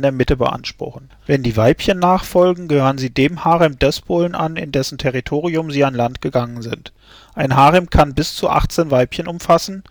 Mitte beanspruchen. Wenn die Weibchen nachfolgen, gehören sie dem Harem des Bullen an, in dessen Territorium sie an Land gegangen sind. Ein Harem kann bis zu 18 Weibchen umfassen